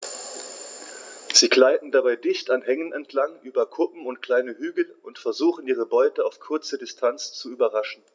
Sie gleiten dabei dicht an Hängen entlang, über Kuppen und kleine Hügel und versuchen ihre Beute auf kurze Distanz zu überraschen.